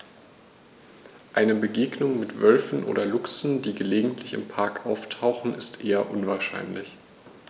Eine Begegnung mit Wölfen oder Luchsen, die gelegentlich im Park auftauchen, ist eher unwahrscheinlich.